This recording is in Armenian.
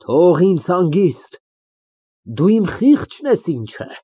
Թող ինձ հանգիստ, դու իմ խի՞ղճն ես ինչ է։